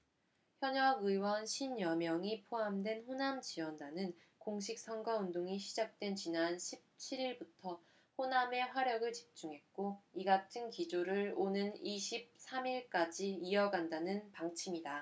현역의원 쉰 여명이 포함된 호남지원단은 공식선거운동이 시작된 지난 십 칠 일부터 호남에 화력을 집중했고 이같은 기조를 오는 이십 삼 일까지 이어간다는 방침이다